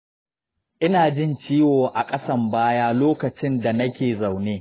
ina jin ciwo a ƙasan baya lokacin da nake zaune.